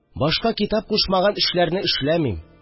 Башка китап кушмаган эшләрне эшләмим